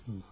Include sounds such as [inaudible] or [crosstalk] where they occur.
[hesitation]